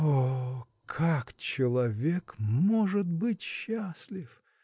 О, как человек может быть счастлив!